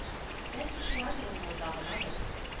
Бәлки шулайдыр ул монда гынадыр